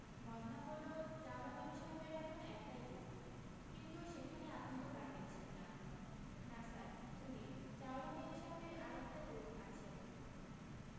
মদনা বললো চাওলা মেমসাহেবের এখন একটাই দুখ কিন্তু সেখানে আপনি তো কান দিচ্ছেন না না স্যার থুড়ি চাওলা মেমসাহেবের আর একটা দুখ আছে